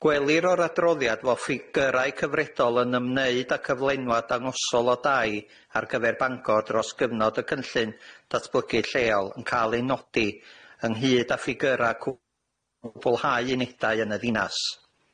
Gwelir o'r adroddiad fo ffigyrau cyfredol yn ymwneud â cyflenwad dangosol o dai ar gyfer Bangor dros gyfnod y cynllun datblygu lleol yn cael ei nodi ynghyd â ffigyrau cw- cwblhau unedau yn y ddinas.